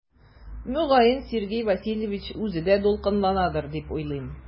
Мөгаен Сергей Васильевич үзе дә дулкынланадыр дип уйлыйм.